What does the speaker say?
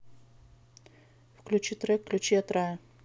включи трек ключи от рая